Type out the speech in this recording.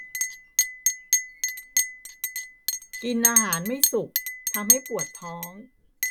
กินอาหารไม่สุกทำให้ปวดท้อง